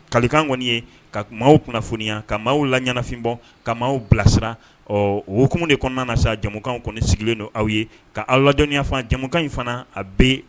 Kalikan kɔni ye ka maaw kunnafoniya, ka maaw laɲanafin bɔ, ka maaw bilasira. Ɔɔ, o hukumu ni kɔnɔna na sa, Jɛmukan kɔni sigilen don aw ye. k'aw ladɔnniya fana,. Jɛmukan in fana, a bɛ